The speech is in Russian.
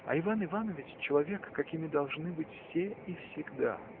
А Иван Иванович — человек, какими должны быть все и всегда.